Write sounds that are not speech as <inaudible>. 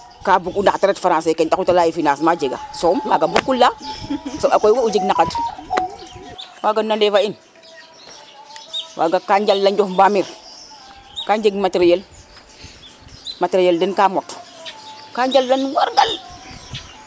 ba bug u ndax ka ret France ken taxu te leya ye financement yega som kaga bug ko leya <laughs> soɓa koy o jeg naqad waga nane fa in waga ka njala njof mbamir ka njeg materiel materiel den ga mot ka njalan wargal